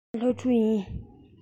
ང སློབ ཕྲུག ཡིན